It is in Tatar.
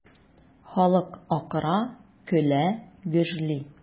Халык акыра, көлә, гөжли.